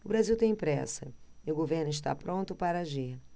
o brasil tem pressa e o governo está pronto para agir